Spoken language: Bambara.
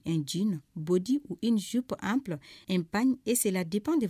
N j nɔn bondi e nisup an pan e selen de pan de